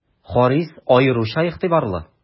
Харис аеруча игътибарлы.